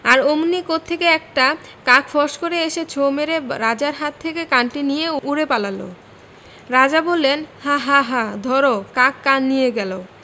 আর অমনি কোত্থেকে একটা কাক ফস্ করে এসে ছোঁ মেরে রাজার হাত থেকে কানটি নিয়ে উড়ে পালাল রাজা বললেন হাঁ হাঁ হাঁ ধরো কাক কান নিয়ে গেল